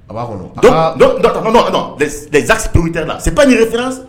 A b'a kɔnɔ da kasi se ɲini sera